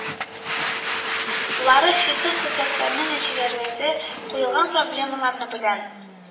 Лары, фикер-күзәтүләре, нәтиҗәләре, куелган проблемалары белән